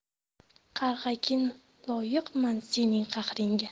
qarg'agin loyiqman sening qahringga